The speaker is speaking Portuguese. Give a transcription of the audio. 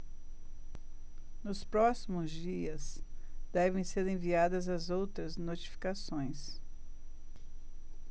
nos próximos dias devem ser enviadas as outras notificações